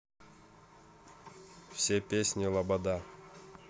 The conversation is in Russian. все песни лобода